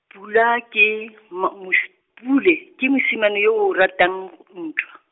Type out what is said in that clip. Pula ke , m- mos-, Pule, ke mosimane yo o ratang , ntwa.